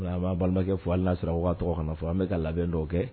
A'a babakɛ foyi la sira u waga tɔgɔ kana fɔ an bɛ ka labɛn dɔw kɛ